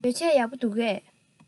བོད ཆས ཡག པོ འདུག གས